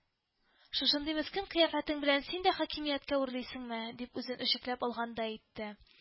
“шушындый мескен кыяфәтең белән син дә хакимияткә үрлисеңме?”—дип үзен үчекләп алгандай итте